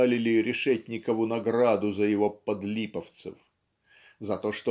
дали ли Решетникову награду за его "Подлиповцев" за то